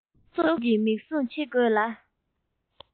རྟོག ཞིབ ཀྱི མིག ཟུང ཕྱེ དགོས ལ